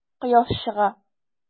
Кояш чыга.